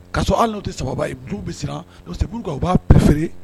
Ka hali tɛ saba ye du bɛ u b'a p feereere